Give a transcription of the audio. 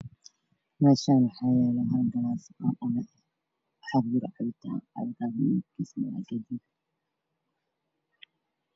Meshan waxyalo halgalas waxan kujiro cabitan midbkis waa gaduud